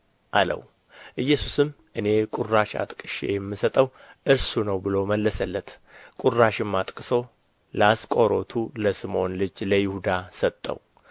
አለው ኢየሱስም እኔ ቍራሽ አጥቅሼ የምሰጠው እርሱ ነው ብሎ መለሰለት ቍራሽም አጥቅሶ ለአስቆሮቱ ለስምዖን ልጅ ለይሁዳ ሰጠው